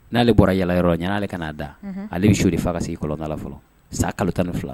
N'ale bɔra yala yɔrɔ, ɲ'ale ka n'a da, unhun, ale bɛ seau de faga ka sigi kɔlɔnda fɔlɔ san kalo tan ni fila